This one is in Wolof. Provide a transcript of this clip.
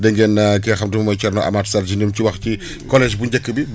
dégg ngeen ki nga xama te ne moom mooy Thierno Amath Sadji ni mu ci wax ci collège bu njëkk bi